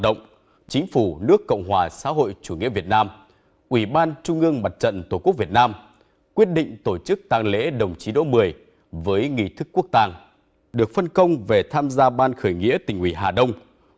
động chính phủ nước cộng hòa xã hội chủ nghĩa việt nam ủy ban trung ương mặt trận tổ quốc việt nam quyết định tổ chức tang lễ đồng chí đỗ mười với nghi thức quốc tang được phân công về tham gia ban khởi nghĩa tỉnh ủy hà đông